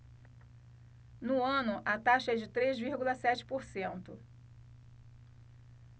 no ano a taxa é de três vírgula sete por cento